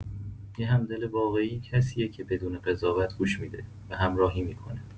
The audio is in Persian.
یه همدل واقعی کسیه که بدون قضاوت گوش می‌ده و همراهی می‌کنه.